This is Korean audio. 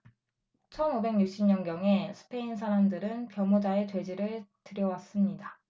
천 오백 육십 년경에 스페인 사람들은 버뮤다에 돼지를 들여왔습니다